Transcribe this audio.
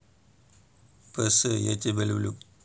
ps я тебя люблю